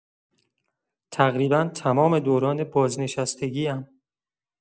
تقریبا تمام دوران بازنشستگی‌ام.